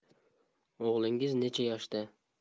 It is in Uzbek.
o'g'lingiz necha yoshda